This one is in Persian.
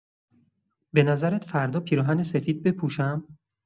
به نظرت فردا پیراهن سفید بپوشم؟